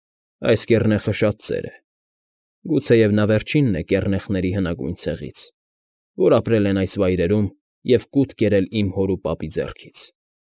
Այս կեռնեխը շատ ծեր է, գուցեև նա վերջինն է կեռնեխների հնագույն ցեղից, որ ապրել են այս վայրերում և կուտ են կերել իմ հոր ու պապի ձեռքից։